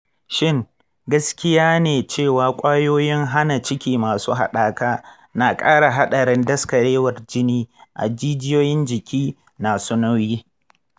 shin gaskiya ne cewa kwayoyin hana ciki masu haɗaka na ƙara haɗarin daskarewar jini a jijiyoyin jiki nasu nauyi?